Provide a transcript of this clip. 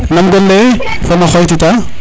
nam gonle ye fo ma xoytita